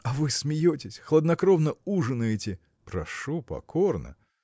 а вы смеетесь, хладнокровно ужинаете. – Прошу покорно!